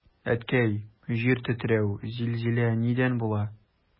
Әткәй, җир тетрәү, зилзилә нидән була?